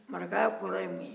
marakaya kɔrɔ ye mun ye